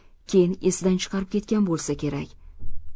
keyin esidan chiqarib ketgan bo'lsa kerak